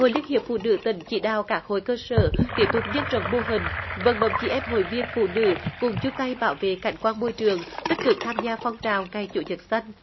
hội liên hiệp phụ nữ tỉnh chỉ đạo cả khối cơ sở tiếp tục nhân rộng mô hình vận động chị em hội viên phụ nữ cùng chung tay bảo vệ cảnh quan môi trường tích cực tham gia phong trào ngày chủ nhật xanh